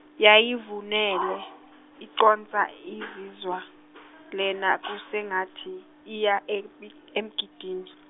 yayivunule, iconsa insizwa, lena kusengathi iya em- i- emgidini.